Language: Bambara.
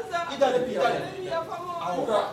I bɛ taa Kita yafama